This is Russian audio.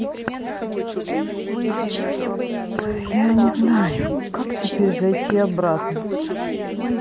я не знаю как теперь зайти обратно